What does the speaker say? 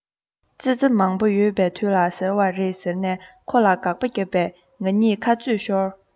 ཙི ཙི མང པོ ཡོད པའི དུས ལ ཟེར བ རེད ཟེར ནས ཁོ ལ དགག པ བརྒྱབ པས ང གཉིས ཁ རྩོད ཤོར